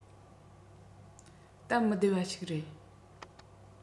སྟབས མི བདེ བ ཞིག རེད